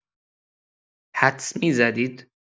حدس می‌زدید؟!